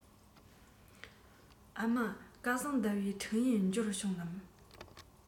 ཨ མ སྐལ བཟང ཟླ བའི འཕྲིན ཡིག འབྱོར བྱུང ངམ